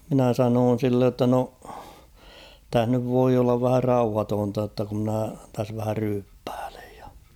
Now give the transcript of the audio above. minä sanoin sille jotta no tässä nyt voi olla vähän rauhatonta jotta kun minä tässä vähän ryyppäilen ja